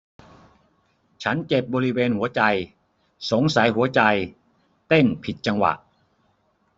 ฉันเจ็บบริเวณหัวใจสงสัยหัวใจเต้นผิดจังหวะ